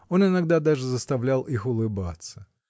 Он иногда даже заставлял их улыбаться.